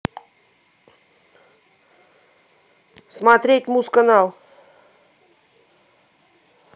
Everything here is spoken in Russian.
смотреть муз канал